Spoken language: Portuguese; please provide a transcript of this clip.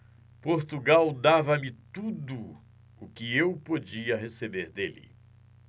portugal dava-me tudo o que eu podia receber dele